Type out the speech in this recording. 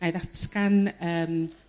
Na'i ddatgan ym